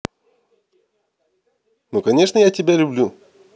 ну конечно я тебя люблю